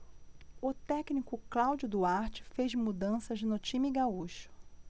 o técnico cláudio duarte fez mudanças no time gaúcho